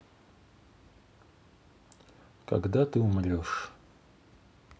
когда ты умрешь